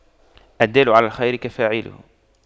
الدال على الخير كفاعله